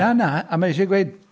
Na, na, a mae isie gweud.